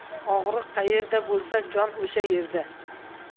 og'riq qayerda bo'lsa jon o'sha yerda